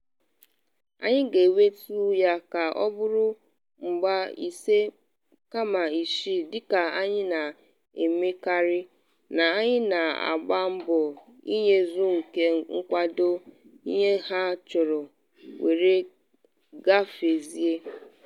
Anyị ga-ewetu ya ka ọ bụrụ mgba ise kama isii - dịka anyị na-emekarị - na anyị na-agba mbọ inyezu ndị nkwado ihe ha chọrọ were gafezie.